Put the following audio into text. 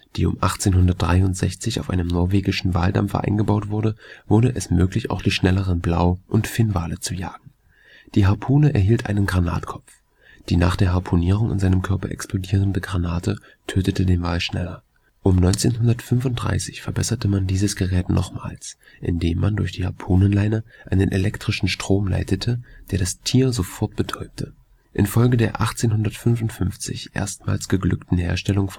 die um 1863 auf einem norwegischen Walfangdampfer eingebaut wurde, wurde es möglich, auch die schnelleren Blau - und Finnwale zu jagen. Die Harpune erhielt einen Granatkopf. Die nach der Harpunierung in seinem Körper explodierende Granate tötete den Wal schneller. Um 1935 verbesserte man dieses Gerät nochmals, indem man durch die Harpunenleine einen elektrischen Strom leitete, der das Tier sofort betäubte. Infolge der 1855 erstmals geglückten Herstellung